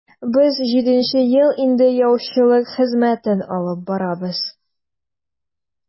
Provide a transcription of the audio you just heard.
Без җиденче ел инде яучылык хезмәтен алып барабыз.